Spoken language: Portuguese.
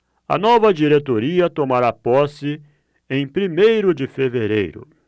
a nova diretoria tomará posse em primeiro de fevereiro